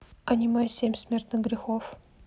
аниме семь смертных грехов